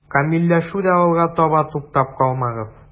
Камилләшүдә алга таба да туктап калмагыз.